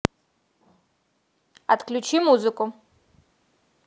отключи музыку